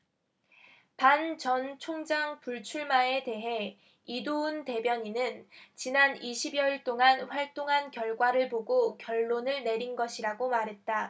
반 전 총장 불출마에 대해 이도운 대변인은 지난 이십 여일 동안 활동한 결과를 보고 결론을 내린 것이라고 말했다